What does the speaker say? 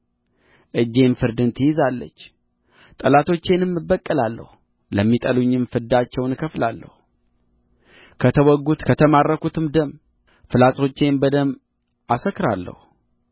እጄም ፍርድን ትይዛለች ጠላቶቼንም እበቀላለሁ ለሚጠሉኝም ፍዳቸውን እከፍላለሁ ከተወጉት ከተማረኩትም ደም ፍላጾቼን በደም አሰክራለሁ